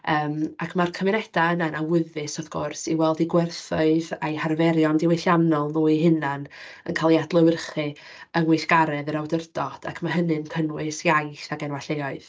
Yym ac ma'r cymunedau yna yn awyddus wrth gwrs i weld eu gwerthoedd a'u harferion diwylliannol nhw eu hunain yn cael eu adlewyrchu yng ngweithgaredd yr awdurdod, ac ma' hynny'n cynnwys iaith ac enwau lleoedd.